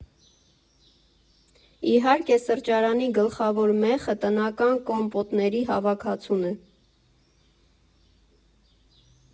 Իհարկե, սրճարանի գլխավոր մեխը տնական կոմպոտների հավաքածուն է։